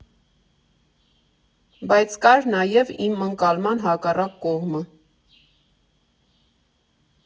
Բայց կար նաև իմ ընկալման հակառակ կողմը.